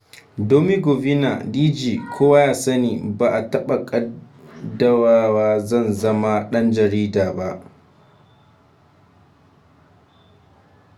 Domy Govina (DG): Kowa ya sani, ba a taɓa ƙaddarawa zan zama ɗan jarida ba.